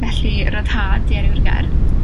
Felly, ryddhad 'di enw'r gerdd.